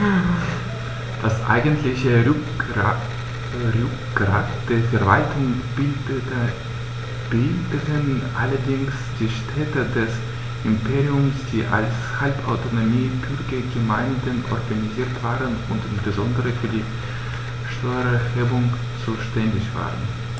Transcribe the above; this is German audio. Das eigentliche Rückgrat der Verwaltung bildeten allerdings die Städte des Imperiums, die als halbautonome Bürgergemeinden organisiert waren und insbesondere für die Steuererhebung zuständig waren.